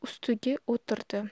ustida o'tirdi